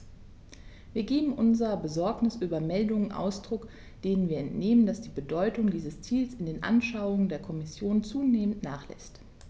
Wir geben unserer Besorgnis über Meldungen Ausdruck, denen wir entnehmen, dass die Bedeutung dieses Ziels in den Anschauungen der Kommission zunehmend nachlässt.